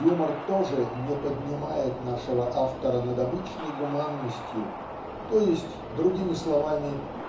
юмор тоже не поднимает нашего автора над обычной гуманностью т.е. другими словами